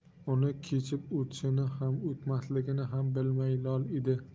uni kechib o'tishini ham o'tmasligini ham bilmay lol edi